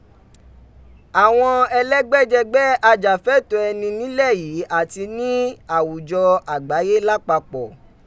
Awọn ẹlẹgbẹjẹgbẹ ajafẹtọ ẹni nilẹ yii ati ni awujọ agbaye lapapọ